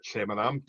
lle ma' 'na